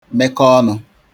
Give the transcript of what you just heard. mekọ ọnụ̄